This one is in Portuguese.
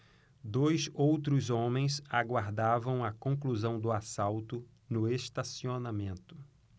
dois outros homens aguardavam a conclusão do assalto no estacionamento